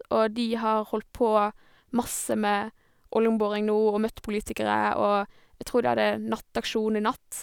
Og de har holdt på masse med oljeboring nå og møtt politikere, og jeg tror de hadde nattaksjon i natt.